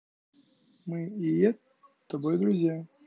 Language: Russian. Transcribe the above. мы и yet тобой друзья